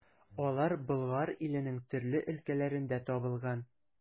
Алар Болгар иленең төрле өлкәләрендә табылган.